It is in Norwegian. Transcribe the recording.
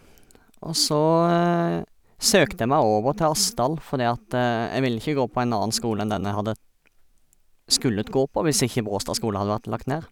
Og så søkte jeg meg over til Asdal, fordi at jeg ville ikke gå på en annen skole enn den jeg hadde skullet gå på hvis ikke Bråstad skole hadde vært lagt ned.